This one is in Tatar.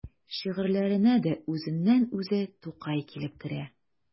Шигырьләренә дә үзеннән-үзе Тукай килеп керә.